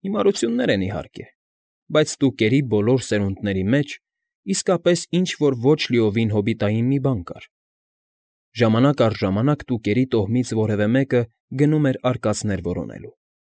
Հիմարություններ են, իհարկե, բայց Տուկերի բոլոր սերունների մեջ իսկապես էլ ինչ֊որ ոչ լիովին հոբիտային մի բան կար. ժամանակ առ ժամանակ Տուկերի տոհմից որևէ մեկը գնում էր արկածներ որոնելու։